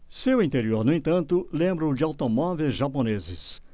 seu interior no entanto lembra o de automóveis japoneses